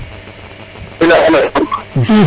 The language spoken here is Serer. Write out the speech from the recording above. *